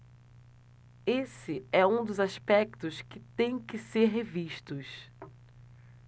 esse é um dos aspectos que têm que ser revistos